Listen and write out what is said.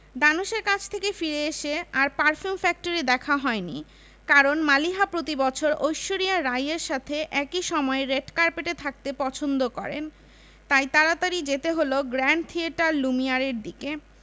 দানুশের কাছে থেকে ফিরে এসে আর পারফিউম ফ্যাক্টরি দেখা হয়নি কারণ মালিহা প্রতিবছর ঐশ্বরিয়া রাই এর সাথে একই সময়ে রেড কার্পেটে থাকতে পছন্দ করেন তাই তাড়াতাড়ি যেতে হলো গ্র্যান্ড থিয়েটার লুমিয়ারের দিকে